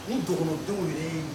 Mun donkɔnɔdenw yɛrɛ